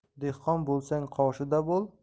dehqon bo'lsang qoshida